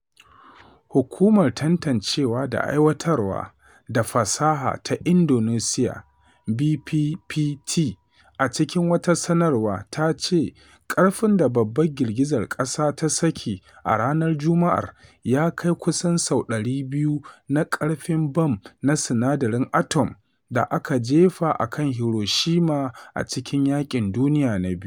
Hukumar tantancewa da Aiwatar da Fasaha ta Indonesiya (BPPT) a cikin wata sanarwa ta ce ƙarfin da babbar girgizar ƙasa ta saki a ranar Juma’ar ya kai kusan sau 200 na ƙarfin bam na sinadarin atom da aka jefa a kan Hiroshima a cikin yaƙin Duniya na Biyu.